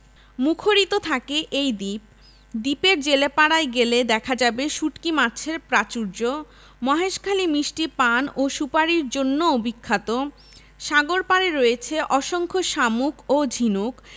মুখরিত থাকে এই দ্বীপ দ্বীপের জেলেপাড়ায় গেলে দেখা যাবে শুটকি মাছের প্রাচুর্য মহেশখালী মিষ্টি পান ও সুপারীর জন্যও বিখ্যাত সাগরপাড়ে রয়েছে অসংখ্য শামুক ও ঝিনুক